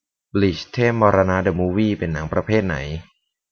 บลีชเทพมรณะเดอะมูฟวี่เป็นหนังประเภทไหน